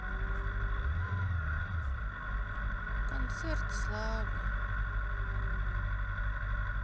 концерт славы